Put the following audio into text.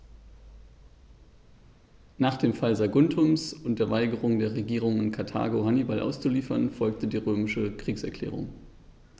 Nach dem Fall Saguntums und der Weigerung der Regierung in Karthago, Hannibal auszuliefern, folgte die römische Kriegserklärung.